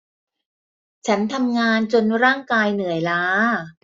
ฉันทำงานจนร่างกายเหนื่อยล้า